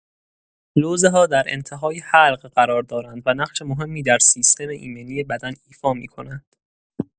لوزه‌ها در انت‌های حلق قرار دارند و نقش مهمی در سیستم ایمنی بدن ایفا می‌کنند.